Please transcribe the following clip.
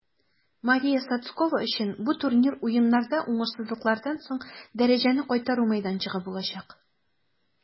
Мария Сотскова өчен бу турнир Уеннарда уңышсызлыклардан соң дәрәҗәне кайтару мәйданчыгы булачак.